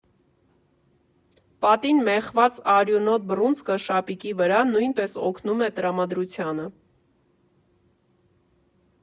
Պատին մեխված արյունոտ բռունցքը շապիկի վրա նույնպես օգնում է տրամադրությանը։